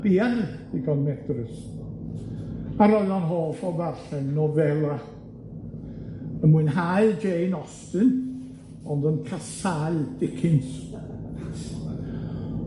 buan ddigon medrus, a roedd o'n hoff o ddarllen nofela, yn mwynhau Jane Austen, ond yn casáu Dickens.